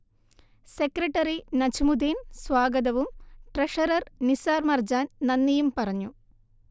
secretary Najmudheen സ്വാഗതവും treasurer Nisar Marjan നന്ദിയും പറഞ്ഞു